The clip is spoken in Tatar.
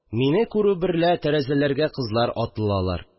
Мине күрү берлә, тәрәзәләргә кызлар атылалар